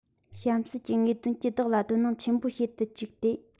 གཤམ གསལ གྱི དངོས དོན གྱིས བདག ལ དོ སྣང ཆེན པོ བྱེད དུ བཅུག སྟེ